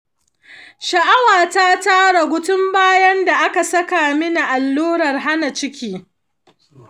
sha’awata ta, ta ragu tun bayan da aka saka min na’urar hana ciki .